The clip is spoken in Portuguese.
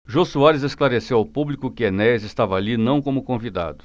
jô soares esclareceu ao público que enéas estava ali não como convidado